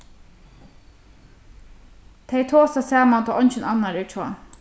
tey tosa saman tá eingin annar er hjá